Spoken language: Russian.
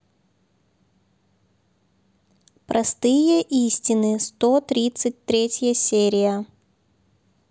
простые истины сто тридцать третья серия